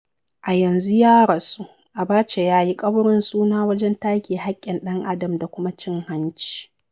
A yanzu ya rasu, Abacha ya yi ƙaurin suna wajen take haƙƙin ɗan'adam da kuma cin hanci.